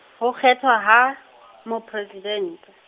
ho kgethwa ha , Mopresidente.